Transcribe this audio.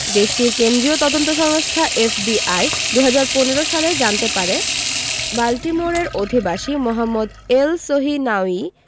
দেশটির কেন্দ্রীয় তদন্ত সংস্থা এফবিআই ২০১৫ সালে জানতে পারে বাল্টিমোরের অধিবাসী মোহাম্মদ এলসহিনাউয়ি